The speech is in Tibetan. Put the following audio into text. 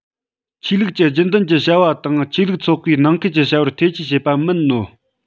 ཆོས ལུགས ཀྱི རྒྱུན ལྡན གྱི བྱ བ དང ཆོས ལུགས ཚོགས པའི ནང ཁུལ གྱི བྱ བར ཐེ ཇུས བྱེད པ མིན ནོ